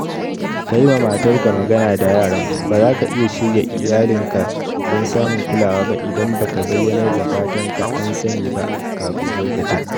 Kayi ma matar ka magana da yaran: Bazaka iya shirya iyalin ka don samun kulawa ba idan baka bayyanar da fatan ka an sani ba kafin lokaci.